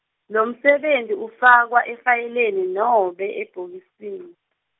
lomsebenti ufakwa efayeleni nobe ebhokisini.